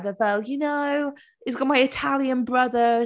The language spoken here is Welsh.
Oedd e fel "you know, he's got my Italian brother."